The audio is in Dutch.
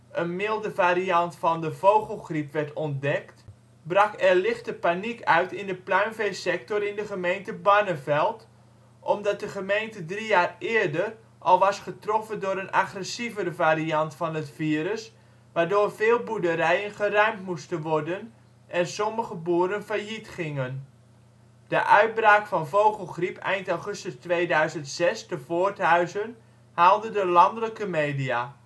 een milde variant van de vogelgriep werd ontdekt, brak er lichte paniek uit in de pluimveesector in de gemeente Barneveld, omdat de gemeente 3 jaar eerder (2003) al getroffen was door een agressievere variant van het virus, waardoor veel boerderijen geruimd moesten worden en sommige boeren failliet gingen. De uitbraak van vogelgriep eind augustus 2006 te Voorthuizen haalde de landelijke media